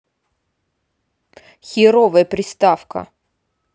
херовая приставка